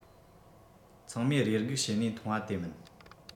ཚང མས རེ སྒུག བྱེད ནས མཐོང པ དེ མིན